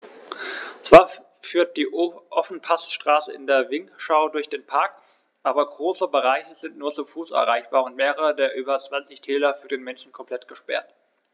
Zwar führt die Ofenpassstraße in den Vinschgau durch den Park, aber große Bereiche sind nur zu Fuß erreichbar und mehrere der über 20 Täler für den Menschen komplett gesperrt.